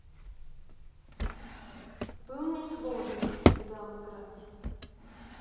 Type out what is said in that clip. было не сложно тебя обыграть